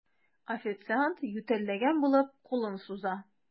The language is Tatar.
Официант, ютәлләгән булып, кулын суза.